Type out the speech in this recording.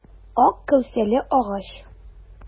Ак кәүсәле агач.